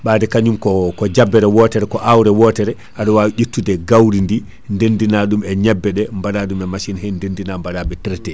ɓade kañum ko ko jabbere ko awre wotere aɗa wawi ƴettude gawri ndi ndendi naɗum e ñebbe ɗe baɗa ɗum e machine he nden ndina baɗaɓe traité